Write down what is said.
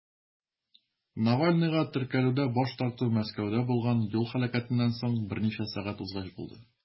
Навальныйга теркәлүдә баш тарту Мәскәүдә булган юл һәлакәтеннән соң берничә сәгать узгач булды.